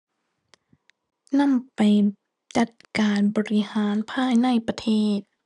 นำไปจัดการบริหารภายในประเทศ